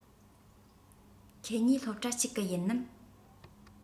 ཁྱེད གཉིས སློབ གྲྭ གཅིག གི ཡིན ནམ